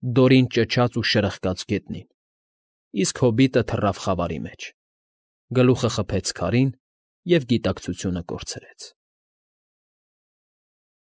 Դորին ճչաց ու դրխկաց գետնին, իսկ հոբիտը թռավ խավարի մեջ, գլուխը խփեց քարին ու գիտակցությունը կորցրեց։